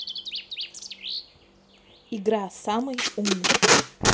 игра я самый умный